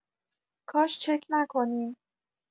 کاش چک نکنین